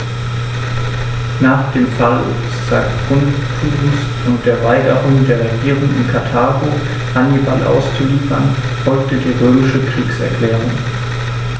Nach dem Fall Saguntums und der Weigerung der Regierung in Karthago, Hannibal auszuliefern, folgte die römische Kriegserklärung.